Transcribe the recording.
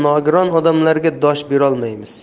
nogiron odamlarga dosh berolmaymiz